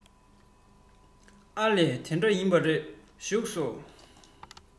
ཨ ལས དེ འདྲ ཡིན པ རེད བཞུགས དགོ